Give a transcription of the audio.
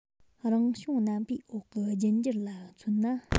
རང བྱུང རྣམ པའི འོག གི རྒྱུད འགྱུར ལ མཚོན ན